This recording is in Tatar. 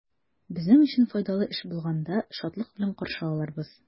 Безнең өчен файдалы эш булганда, шатлык белән каршы алырбыз.